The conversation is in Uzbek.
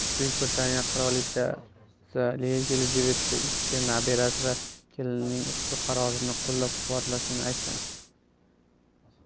buyuk britaniya qirolichasi yelizaveta ii nabirasi va kelinining ushbu qarorini qo'llab quvvatlashini aytgan